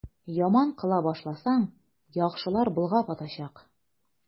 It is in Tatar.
Яман кыла башласаң, яхшылар болгап атачак.